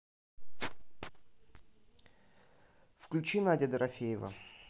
включи надя дорофеева